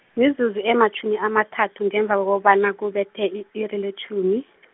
mizuzu ematjhumi amathathu ngemva kokobana kubethe i-iri letjhumi .